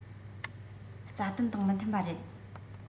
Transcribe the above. རྩ དོན དང མི མཐུན པ རེད